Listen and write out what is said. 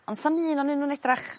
on' sa'm un o'nyn nw'n edrach